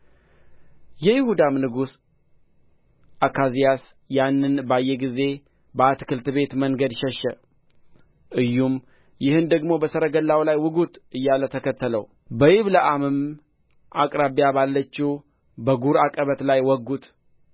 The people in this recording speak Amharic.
የይሁዳ ንጉሥ አካዝያስ ያንን ባየ ጊዜ በአትክልት ቤት መንገድ ሸሸ ኢዩም ይህን ደግሞ በሰረገላው ላይ ውጉት እያለ ተከተለው በይብለዓምም አቅራቢያ ባለችው በጉር ዐቀበት ላይ ወጉት